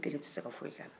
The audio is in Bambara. ne tɛ se ka foyi kɛ a la